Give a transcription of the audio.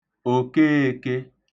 Òkeēkē